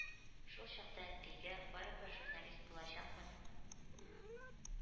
Шул чакта Әнкәйгә: ”Барыбер журналист булачакмын,